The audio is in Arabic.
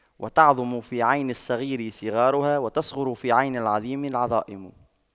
وتعظم في عين الصغير صغارها وتصغر في عين العظيم العظائم